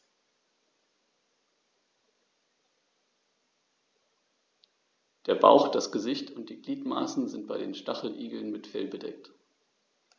Der Bauch, das Gesicht und die Gliedmaßen sind bei den Stacheligeln mit Fell bedeckt.